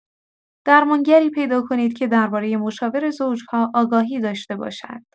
درمانگری پیدا کنید که درباره مشاوره زوج‌ها آگاهی داشته باشد.